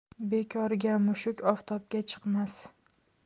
bekorga mushuk oftobga chiqmas